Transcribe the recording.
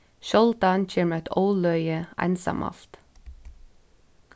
sjáldan kemur eitt óløgi einsamalt